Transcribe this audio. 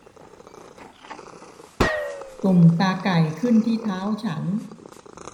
ตุ่มตาไก่ขึ้นที่เท้าฉัน